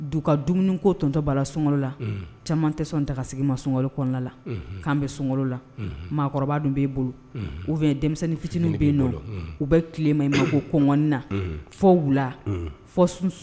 Du u ka dumuni ko tonton Bala. Unhun. Sunkalo la, caman tɛ sɔn daga sigi ma sunkalo kɔnɔna la. Unhun. K'an bɛ sunkalo la. Unhun. Maakɔrɔba dun bɛ e bolo. Unhun. ou bien denmisɛnnin fitininw bɛyennnɔ, u bɛ tilen maɲumako kɔngɔni la fo wula. Unhun. Fo suntigɛ wagati